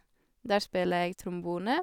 Der spiller jeg trombone.